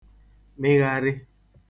mịgharị